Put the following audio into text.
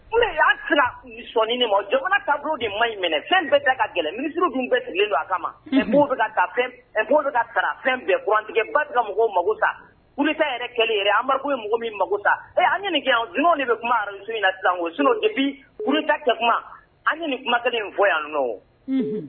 Ne y'a sira sɔɔni ma jɔ ka du de ma ɲi minɛ fɛn bɛɛ ta ka gɛlɛn miniuru dun bɛɛ sigilen don a kama e' bɛ taa fɛn'o bɛ ka ta fɛn bɛɛ gantigɛ ba ka mɔgɔw mako ta yɛrɛ kɛ yɛrɛ anba min mako ta ɛ an nin gɛn ninnu de bɛ kuma rus in na sisango s de bi kɛ kuma an nin kumatɛ fɔ yan n